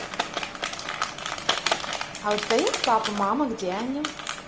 а у тебя есть папа мама где они